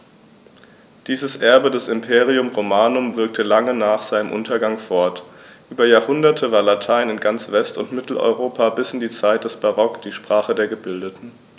Dieses Erbe des Imperium Romanum wirkte lange nach seinem Untergang fort: Über Jahrhunderte war Latein in ganz West- und Mitteleuropa bis in die Zeit des Barock die Sprache der Gebildeten.